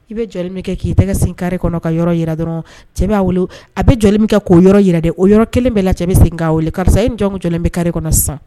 I bɛ jɔ min kɛ k'i tɛgɛ kari kɔnɔ ka yɔrɔ yi dɔrɔn cɛ b' bolo a bɛ jɔ min kɛ k'o yɔrɔ yɛrɛ de o yɔrɔ kelen bɛɛ la cɛ bɛ sen k' a karisa ye jɔn jɔ bɛ kari kɔnɔ sisan